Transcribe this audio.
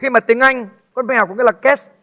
khi mà tiếng anh con mèo có nghĩa là két